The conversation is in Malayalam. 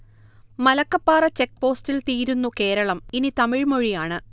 മലക്കപ്പാറ ചെക്പോസ്റ്റിൽ തീരുന്നു കേരളം ഇനി തമിഴ്മൊഴിയാണ്